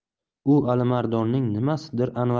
u alimardonning nimasidir